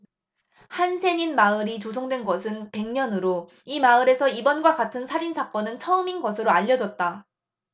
한센인 마을이 조성된 것은 백 년으로 이 마을에서 이번과 같은 살인 사건은 처음인 것으로 알려졌다